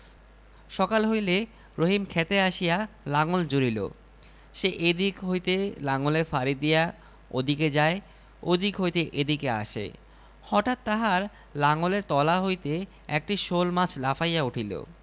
আমি তোমাকে এক টাকা আগাম দিলাম আরও যদি লাগে তাও দিব শেষ রাতে আমি জাগিয়া খিড়কির দরজার সামনে দাঁড়াইয়া থাকিব তখন তুমি গোপনে শোলমাছটি আমাকে দিয়া যাইবে